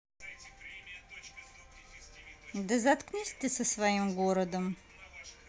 да заткнись ты со своим городом